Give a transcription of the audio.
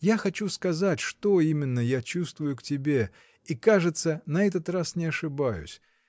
Я хочу сказать, что именно я чувствую к тебе, и, кажется, на этот раз не ошибаюсь.